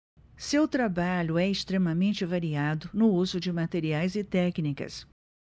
seu trabalho é extremamente variado no uso de materiais e técnicas